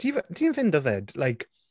Ti'n f- ti'n ffeindio 'fyd, like...